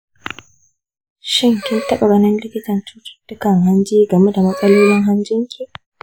shin kin taɓa ganin likitan cututtukan hanji game da matsalolin hanjinki?